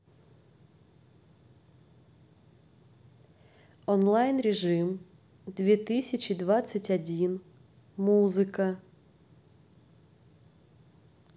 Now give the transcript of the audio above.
онлайн режим две тысячи двадцать один музыка